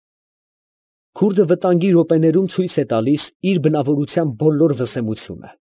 Քուրդը վտանգի րոպեներում ցույց է տալիս իր բնավորության բոլոր վսեմությունը։